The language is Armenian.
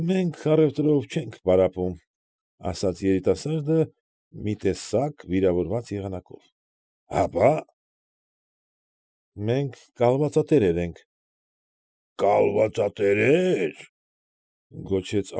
Մենք առևտրով չենք պարապում, ֊ ասաց երիտասարդը մի տեսակ վիրավորված եղանակով։ ֊ Հապա՞։ ֊ Մենք կալվածատերեր ենք։ ֊ Կալվածատերե՞ր,֊ գոչեց։